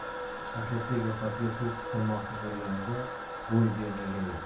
asadbek yoqasiga pul qistirmoqchi bo'lganida bo'y bermagan edi